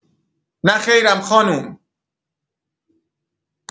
نخیرم خانوم